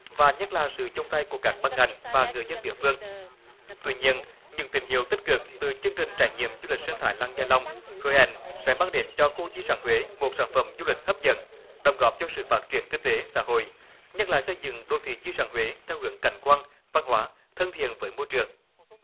và nhất là sự chung tay của các ban ngành và người dân địa phương tuy nhiên những tín hiệu tích cực từ chương trình trải nghiệm du lịch sinh thái lăng gia long hứa hẹn sẽ mang đến cho khu di sản huế một sản phẩm du lịch hấp dẫn đóng góp cho sự phát triển kinh tế xã hội nhất là xây dựng đô thị di sản huế theo hướng cảnh quan văn hóa thân thiện với môi trường